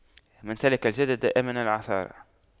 من سلك الجدد أمن العثار